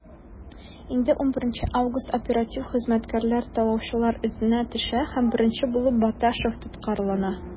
Инде 11 августка оператив хезмәткәрләр талаучыларның эзенә төшә һәм беренче булып Баташев тоткарлана.